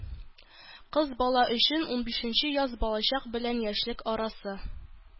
Кыз бала өчен унбишенче яз балачак белән яшьлек арасы.